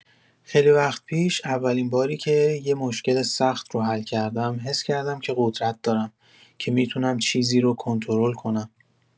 خیلی وقت پیش، اولین باری که یه مشکل سخت رو حل کردم، حس کردم که قدرت دارم، که می‌تونم چیزی رو کنترل کنم.